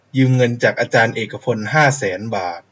ยืมเงินจากอาจารย์เอกพลห้าแสนบาท